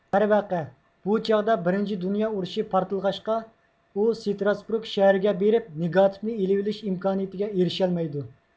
دەرۋەقە بۇ چاغدا بىرىنچى دۇنيا ئۇرۇشى پارتلىغاچقا ئۇ ستراسبۇرگ شەھىرىگە بېرىپ نېگاتىپنى ئېلىۋېلىش ئىمكانىيىتىگە ئېرىشەلمەيدۇ